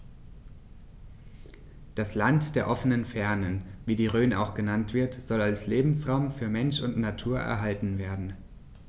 Das „Land der offenen Fernen“, wie die Rhön auch genannt wird, soll als Lebensraum für Mensch und Natur erhalten werden.